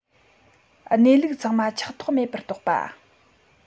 གནས ལུགས ཚང མ ཆགས ཐོགས མེད པར རྟོགས པ